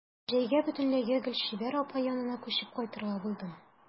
Җәйгә бөтенләйгә Гөлчибәр апа янына күчеп кайтырга булдым.